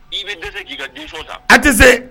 I bɛ dɛsɛ ki ka décision ta . I tɛ se.